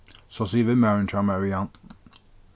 so sigur vinmaðurin hjá mær við hann